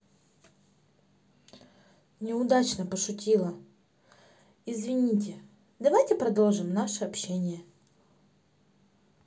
неудачно пошутила извините давайте продолжим наше общение